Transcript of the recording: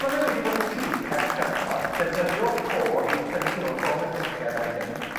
ma' fe wedi bod yn sych ers cyfnod defnyddiwch ho i'w tynnu nw rhwng y llysie fel hyn.